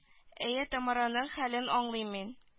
Әйе тамараның хәлен аңлыйм мин